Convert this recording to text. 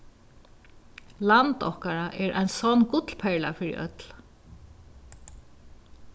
land okkara er ein sonn gullperla fyri øll